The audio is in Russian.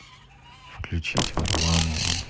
включить варламова